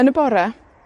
yn y bora,